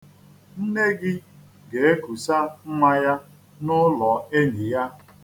Nne gị ga-ekusa nnwa ya n'ụlọ enyi ya.